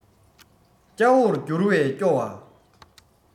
སྐྱ བོར འགྱུར བས སྐྱོ བ